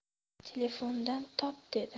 telefondan top dedi